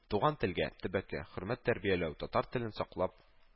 Туган телгә, төбәккә хөрмәт тәрбияләү, татар телен саклап